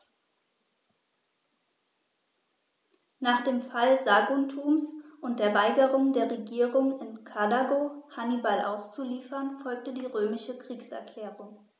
Nach dem Fall Saguntums und der Weigerung der Regierung in Karthago, Hannibal auszuliefern, folgte die römische Kriegserklärung.